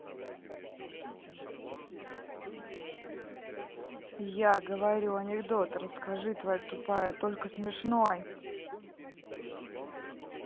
я говорю анекдот расскажи тварь тупая только смешной